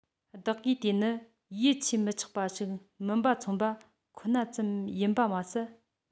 བདག གིས དེ ནི ཡིད ཆེས མི ཆོག པ ཞིག མིན པ མཚོན པ ཁོ ན ཙམ ཡིན པ མ ཟད